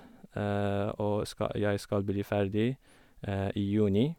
Og ska jeg skal bli ferdig i juni.